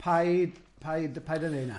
Paid, paid, paid â neud na.